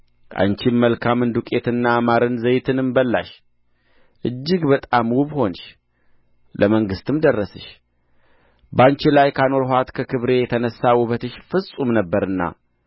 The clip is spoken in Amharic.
አንቺም መልካምን ዱቄትና ማርን ዘይትንም በላሽ እጅግ በጣም ውብ ሆንሽ ለመንግሥትም ደረስሽ ባንቺ ላይ ካኖርኋት ከክብሬ የተነሣ ውበትሽ ፍጹም ነበረና